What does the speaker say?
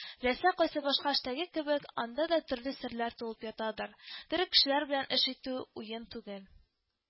Теләсә кайсы башка эштәге кебек, анда да төрле серләр тулып ятадыр, тере кешеләр белән эш итү уен түгел